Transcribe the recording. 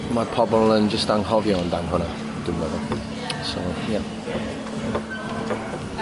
ma'r pobol yn jyst anghofio amdanfon e dwi'n meddwl so, ie.